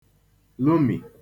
lomì